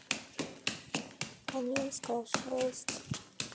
каменская шесть